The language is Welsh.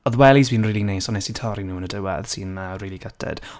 Oedd wellies fi'n rili neis, ond wnes i torri nhw yn y diwedd sy'n yy rili gutted.